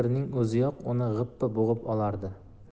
uni g'ippa bug'ib olardi